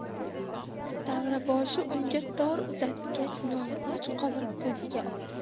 davraboshi unga tor uzatgach noiloj qolib qo'liga oldi